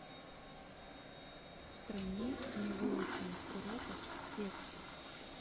в стране невыученных уроков текст